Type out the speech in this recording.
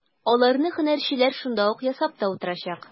Аларны һөнәрчеләр шунда ук ясап та утырачак.